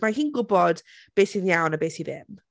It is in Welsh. Mae hi'n gwbod beth sy'n iawn a beth sy ddim.